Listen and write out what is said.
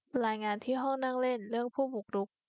รายงานที่ห้องนั่งเล่นเรื่องผู้บุกรุก